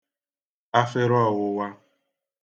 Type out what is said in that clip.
afere ọ̄wụ̄wā